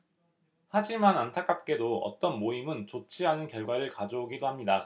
하지만 안타깝게도 어떤 모임은 좋지 않은 결과를 가져오기도 합니다